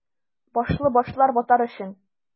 Башлы башлар — ватар өчен!